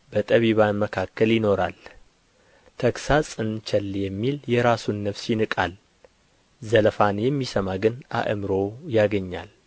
በጠቢባን መካከል ይኖራል ተግሣጽን ቸል የሚል የራሱን ነፍስ ይንቃል ዘለፋን የሚሰማ ግን አእምሮ ያገኛል